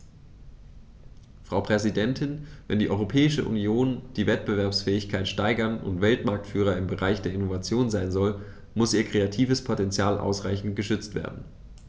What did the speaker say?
Frau Präsidentin, wenn die Europäische Union die Wettbewerbsfähigkeit steigern und Weltmarktführer im Bereich der Innovation sein soll, muss ihr kreatives Potential ausreichend geschützt werden.